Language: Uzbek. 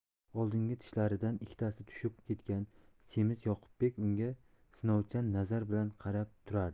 oldingi tishlaridan ikkitasi tushib ketgan semiz yoqubbek unga sinovchan nazar bilan qarab turardi